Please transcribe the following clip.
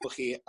Gwel' chi...